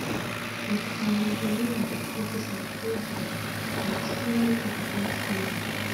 With Carmen Bolena, which is her stage name, the experience is a bit similar.